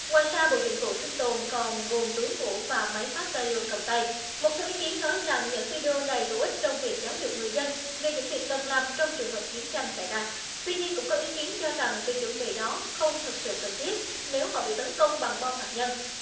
ngoài ra bộ dụng cụ sinh tồn còn gồm túi ngủ và máy phát ra đi ô cầm tay một số ý kiến nói rằng những vi đi ô này hữu ích trong việc giáo dục người dân về những việc cần làm trong trường hợp chiến tranh xảy ra tuy nhiên cũng có ý kiến cho rằng việc chuẩn bị đó không thực sự cần thiết nếu họ bị tấn công bằng bom hạt nhân